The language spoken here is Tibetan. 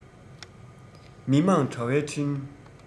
མི དམངས དྲ བའི འཕྲིན